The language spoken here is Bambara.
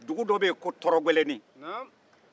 dugu dɔ bɛ yen ko tɔrɔgɛlɛnin